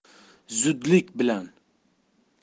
zudlik bilan